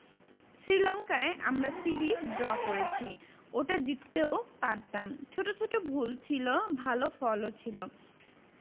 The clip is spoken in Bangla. শ্রীলঙ্কায় আমরা সিরিজ ড্র করেছি ওটা জিততেও পারতাম ছোট ছোট ভুল ছিল ভালো ফলও ছিল